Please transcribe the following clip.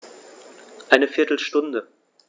Eine viertel Stunde